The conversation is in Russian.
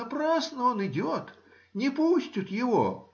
напрасно он идет: не пустят его!